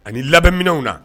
Ani labɛnminw na